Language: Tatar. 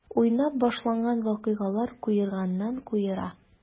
Уйнап башланган вакыйгалар куерганнан-куера.